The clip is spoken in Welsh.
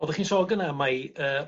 Oddach chi'n sôn gynnai mai yy...